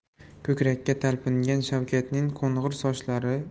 ko'krakka talpingan shavkatning